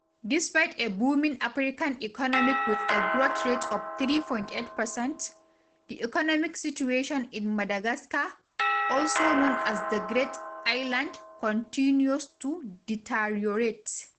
Despite a booming African economy with a growth rate of 3.8 percent, the economic situation in Madagascar, also known as the Great Island, continues to deteriorate.